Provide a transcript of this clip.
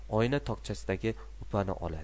oyna tokchasidagi upani oladi